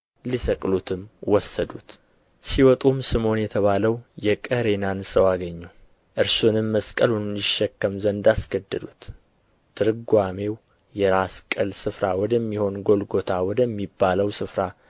ሊሰቅሉትም ወሰዱት ሲወጡም ስምዖን የተባለው የቀሬናን ሰው አገኙ እርሱንም መስቀሉን ይሸከም ዘንድ አስገደዱት ትርጓሜው የራስ ቅል ስፍራ ወደሚሆን ጎልጎታ ወደሚባለው ስፍራ